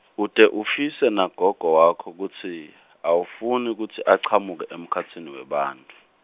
ute ufise nagogo wakho kutsi, awufuni kutsi achamuke, emkhatsini webantfu.